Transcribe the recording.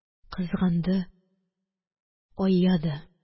Кызганды, айады